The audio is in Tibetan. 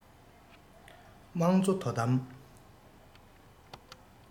དམངས གཙོ དོ དམ